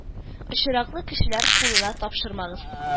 Очраклы кешеләр кулына тапшырмагыз